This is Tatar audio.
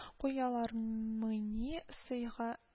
Куялармыни, сөйга